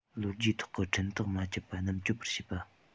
ལོ རྒྱུས ཐོག གི འཁྲུན ཐག མ བཅད པ རྣམས གཅོད པར བྱེད པ